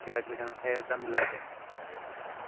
nima kerakligini qayerdan biladi